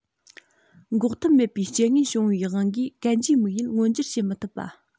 འགོག ཐབས མེད པའི རྐྱེན ངན བྱུང བའི དབང གིས གན རྒྱའི དམིགས ཡུལ མངོན འགྱུར བྱེད མི ཐུབ པ